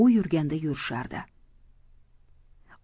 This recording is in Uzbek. u yurganda yurishardi